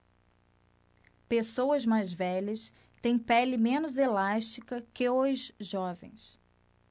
pessoas mais velhas têm pele menos elástica que os jovens